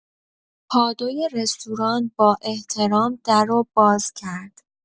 پادوی رستوران با احترام درو باز کرد.